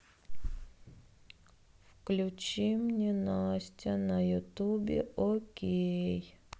включи мне настя на ютубе окей